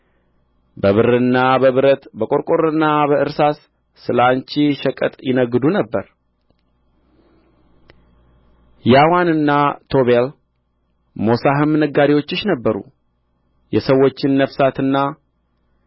በብርና በብረት በቈርቈሮና በእርሳስ ስለ አንቺ ሸቀጥ ይነግዱ ነበር ያዋንና ቶቤል ሞሳሕም ነጋዴዎችሽ ነበሩ የሰዎችን ነፍሳትና